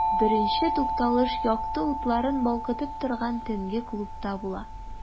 Беренче тукталыш якты утларын балкытып торган төнге клубта була.